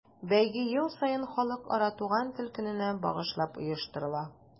Бәйге ел саен Халыкара туган тел көненә багышлап оештырыла.